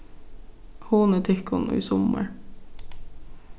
hugnið tykkum í summar